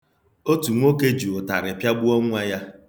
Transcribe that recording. Otu nwoke ji ụtarị pịagbuo nwa ya.